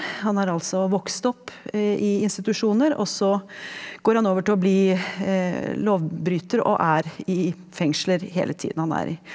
han har altså vokst opp i institusjoner, og så går han over til å bli lovbryter og er i fengsler hele tiden han er i.